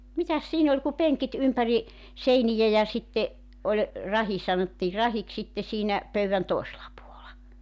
mitäs siinä oli kuin penkit ympäri seiniä ja sitten oli rahi sanottiin rahiksi sitten siinä pöydän toisella puolella